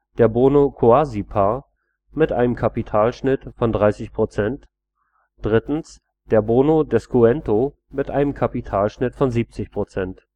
der Bono Cuasi Par mit einem Kapitalschnitt von 30% der Bono de Descuento mit einem Kapitalschnitt von 70%